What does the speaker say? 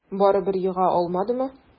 Барыбер ега алмадымы?